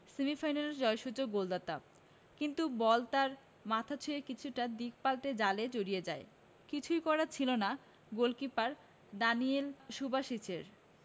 সেমিফাইনালের জয়সূচক গোলদাতা কিন্তু বল তার মাথা ছুঁয়ে কিছুটা দিক পাল্টে জালে জড়িয়ে যায় কিছুই করার ছিল না গোলকিপার দানিয়েল সুবাসিচের